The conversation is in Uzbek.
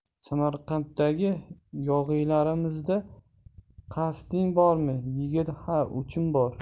samarqanddagi yog'iylarimizda qasding bormi yigit ha o'chim bor